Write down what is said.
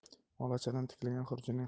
olachadan tikilgan xurjunning